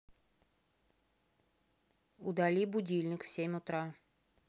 удали будильник в семь утра